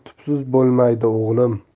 tubsiz bo'lmaydi o'g'lim